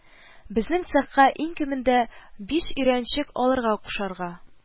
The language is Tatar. Безнең цехка иң кимендә биш өйрәнчек алырга кушарга